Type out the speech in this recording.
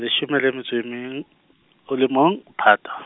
leshome le metso e meng-, o le mong, Phate.